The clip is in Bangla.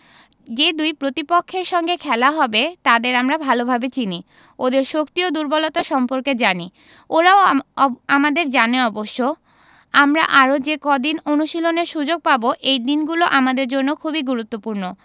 যে দুই প্রতিপক্ষের সঙ্গে খেলা হবে তাদের আমরা ভালোভাবে চিনি ওদের শক্তি ও দুর্বলতা সম্পর্কে জানি ওরাও আমাদের জানে অবশ্য আমরা আরও যে কদিন অনুশীলনের সুযোগ পাব এই দিনগুলো আমাদের জন্য খুবই গুরুত্বপূর্ণ